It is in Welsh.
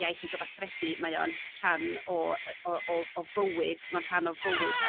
iaith yn gyfathrebu mae o'n rhan o o o fywyd ma'n rhan o fywyd a